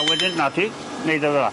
A wedyn, 'na ti, neud e fel 'a.